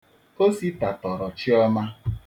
Osita tọrọ Chiọma.